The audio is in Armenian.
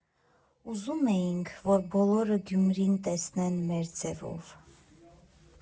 Ուզում էինք, որ բոլորը Գյումրին տեսնեն մեր ձևով։